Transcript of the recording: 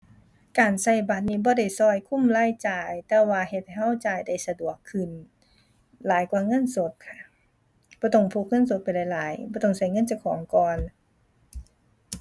การใช้บัตรนี้บ่ได้ใช้คุมรายจ่าย แต่ว่าเฮ็ดให้ใช้จ่ายได้สะดวกขึ้น หลายกว่าเงินสด บ่ต้องพกเงินสดไปหลายหลาย บ่ต้องใช้เงินเจ้าของก่อน